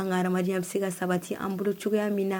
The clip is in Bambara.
An ka a adamadenya bɛ se ka sabati an bolo cogoyaya min ?